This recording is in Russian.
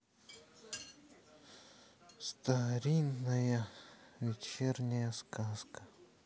старинная вечерняя сказка